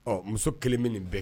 Ɔ muso 1 bɛ nin be nin bɛɛ